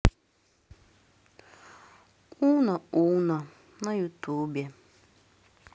уно уно на ютубе